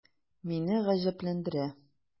Мине гаҗәпләндерә: